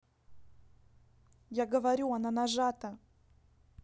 я говорю она нажата